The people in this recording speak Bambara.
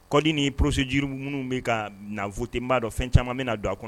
Kɔ ni poroosi jiriurumunu bɛ ka naft b'a dɔn fɛn caman min na don a kɔnɔ